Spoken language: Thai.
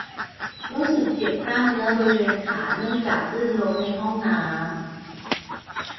รู้สึกเจ็บกล้ามเนื้อบริเวณขาเนื่องจากลื่นล้มในห้องน้ำ